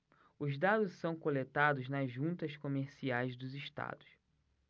os dados são coletados nas juntas comerciais dos estados